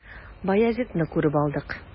Баязитны күреп алдык.